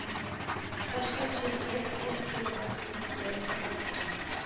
Качкан җиреннән ул зурганың сүзләрен тыңлап тора